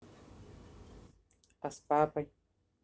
а с папой